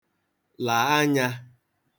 là anyā